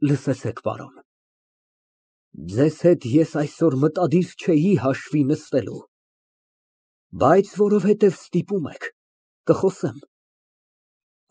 Լսեցեք, պարոն, ձեզ հետ ես այսօր մտադիր չէի հաշվի նստելու, բայց, որովհետև ստիպում եք, կխոսեմ։